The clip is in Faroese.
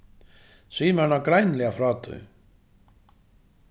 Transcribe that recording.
sig mær nágreiniliga frá tí